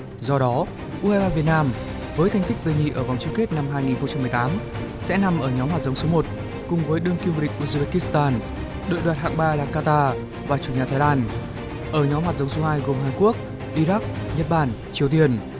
do đó u hai ba việt nam với thành tích về nhì ở vòng chung kết năm hai nghìn không trăm mười tám sẽ nằm ở nhóm hạt giống số một cùng với đương kim vô địch u dơ bi kít tan đội đoạt hạng ba là ca ta và chủ nhà thái lan ở nhóm hạt giống số hai gồm hàn quốc i rắc nhật bản triều tiên